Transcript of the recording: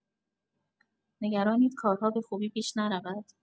نگرانید کارها به خوبی پیش نرود.